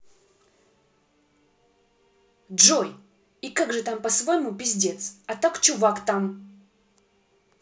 джой и как же там по своему пиздец а так чувак там